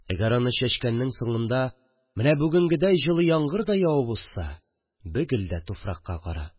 Әгәр аны чәчкәннең соңында менә бүгенгедәй җылы яңгыр да явып узса, бөгел дә туфракка кара